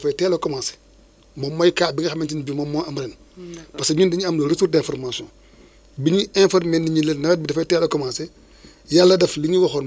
muy benn de deux énun ci biir ANACIM du lundi au vendredi chaque jour am na lël bi nga xam dañ koy def à partir de 10 heures 30 ba 11 heures 30